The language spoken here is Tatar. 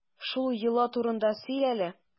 Шул йола турында сөйлә әле.